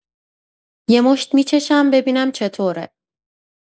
یه مشت می‌چشم ببینم چطوره.